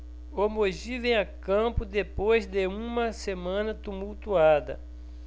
o mogi vem a campo depois de uma semana tumultuada